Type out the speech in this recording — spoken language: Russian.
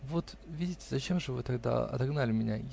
-- Вот видите, зачем же вы тогда отогнали меня?